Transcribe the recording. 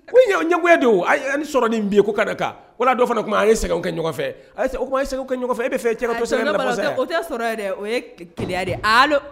Sɔrɔ nin ko kan wala dɔ fana a ye kɛ ɲɔgɔnfɛ ayi kɛ ɲɔgɔnfɛ o sɔrɔ o keya de